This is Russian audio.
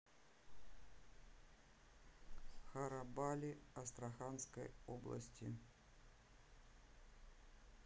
харабали астраханской области